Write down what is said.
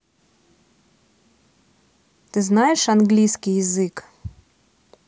ты знаешь английский язык